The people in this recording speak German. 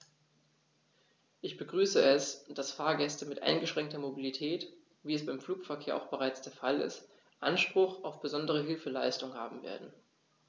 Ich begrüße es, dass Fahrgäste mit eingeschränkter Mobilität, wie es beim Flugverkehr auch bereits der Fall ist, Anspruch auf besondere Hilfeleistung haben werden.